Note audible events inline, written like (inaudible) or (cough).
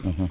(hesitation) (hesitation)